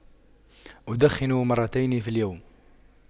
أدخن مرتين في اليوم